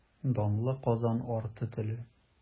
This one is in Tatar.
Данлы Казан арты теле.